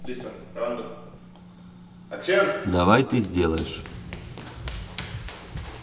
давай ты сделаешь